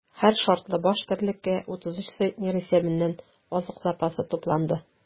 Һәр шартлы баш терлеккә 33 центнер исәбеннән азык запасы тупланды.